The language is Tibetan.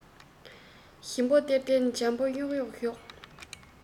ཞིམ པོ སྟེར སྟེར འཇམ པོ གཡོག གཡོག ཞོག